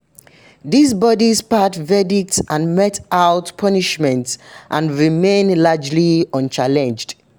These bodies pass verdicts and mete out punishments and remain largely unchallenged.